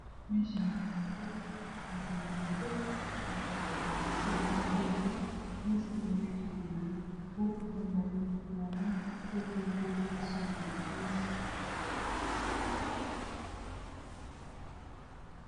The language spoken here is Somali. Meeshan Waxa joogo gabdho waxay ku gurayaan buluug ah darbiga kalar kiisu waa cadays